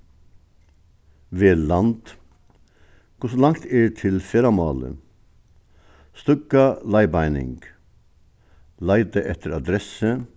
vel land hvussu langt er til ferðamálið støðga leiðbeining leita eftir adressu